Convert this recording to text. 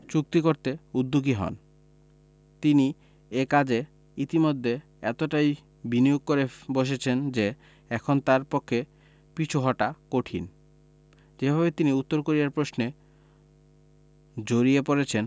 চুক্তি করতে উদ্যোগী হন তিনি এ কাজে ইতিমধ্যে এতটাই বিনিয়োগ করে বসেছেন যে এখন তাঁর পক্ষে পিছু হটা কঠিন যেভাবে তিনি উত্তর কোরিয়া প্রশ্নে জড়িয়ে পড়েছেন